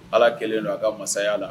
Ala kelen don a ka masaya la